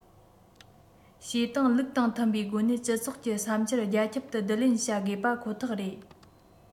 བྱེད སྟངས ལུགས དང མཐུན པའི སྒོ ནས སྤྱི ཚོགས ཀྱི བསམ འཆར རྒྱ ཁྱབ ཏུ བསྡུ ལེན བྱ དགོས པ ཁོ ཐག རེད